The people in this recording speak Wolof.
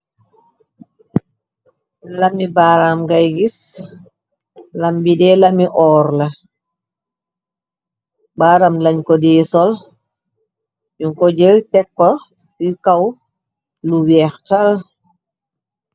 lami baaram ngay gis lambi dee lami oor la baaram lañ ko dee sol ñu ko jël tekko ci kaw lu weex tal